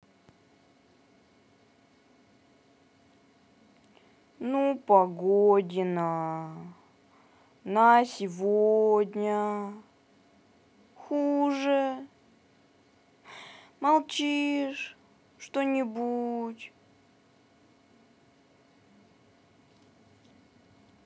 ну погодина на сегодня хуже молчишь что нибудь